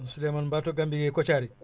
Souleymane Gambie Kotiari